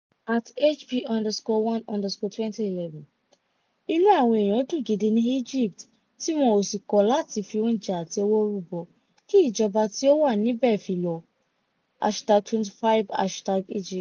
@HB_1_2011: inú àwọn èèyàn dùn gidi ní egypt, tí wọ́n ò sì kọ̀ láti fi oúnjẹ àti owó rúbọ kí ìjọba tí ó wà níbẹ̀ fi lọ #jan25 #egypt.